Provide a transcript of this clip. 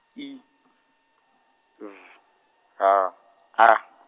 I V H A.